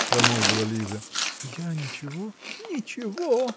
-- промолвила Лиза, -- я ничего. -- Ничего?